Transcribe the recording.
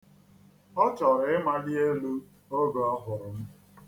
Ọ chọrọ ịmali elu oge ọ hụrụ m.